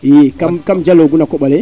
i kam jalo gu na koɓale